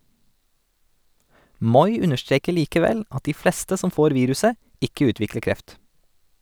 Moi understreker likevel at de fleste som får viruset ikke utvikler kreft.